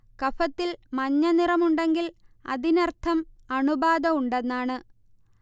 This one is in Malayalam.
കഫത്തിൽ മഞ്ഞനിറം ഉണ്ടെങ്കിൽ അതിനർഥം അണുബാധ ഉണ്ടെന്നാണ്